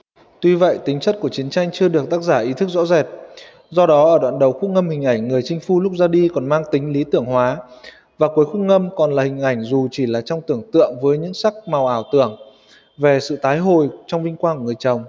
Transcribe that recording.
tuy vậy tính chất của chiến tranh chưa được tác giả ý thức rõ rệt do đó ở đoạn đầu khúc ngâm hình ảnh người chinh phu lúc ra đi còn mang tính lý tưởng hóa và cuối khúc ngâm còn là hình ảnh dù chỉ là trong tưởng tượng với những sắc màu ảo tưởng về sự tái hồi trong vinh quang của người chồng